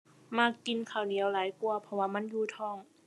มักกินข้าวเหนียวหลายกว่าเพราะว่ามันอยู่ท้อง